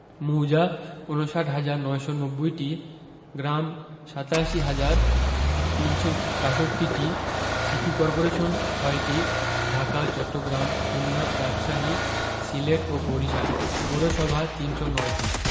মৌজা ৫৯হাজার ৯৯০টি গ্রাম ৮৭হাজার ৩৬২টি সিটি কর্পোরেশন ৬টি ঢাকা চট্টগ্রাম খুলনা রাজশাহী সিলেট ও বরিশাল পৌরসভা ৩০৯টি